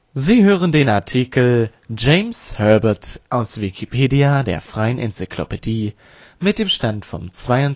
Sie hören den Artikel James Herbert (Autor), aus Wikipedia, der freien Enzyklopädie. Mit dem Stand vom Der